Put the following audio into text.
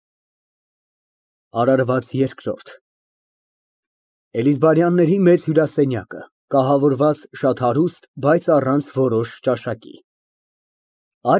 ԱՐԱՐՎԱԾ ԵՐԿՐՈՐԴ Էլիզբարյանների մեծ հյուրասենյակը, կահավորված շատ հարուստ, բայց առանց որոշ ճաշակի։